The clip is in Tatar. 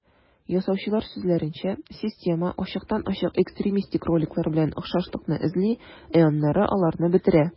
Ясаучылар сүзләренчә, система ачыктан-ачык экстремистик роликлар белән охшашлыкны эзли, ә аннары аларны бетерә.